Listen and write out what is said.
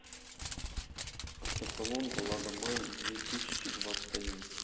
автосалон лада май две тысячи двадцать один